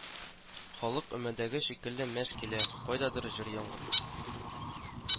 Халык өмәдәге шикелле мәш килә, кайдандыр җыр яңгырый